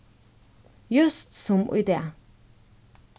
júst sum í dag